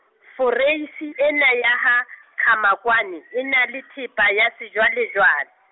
Foreisi ena ya ha, Qhamakwane e na le thepa ya sejwalejwale.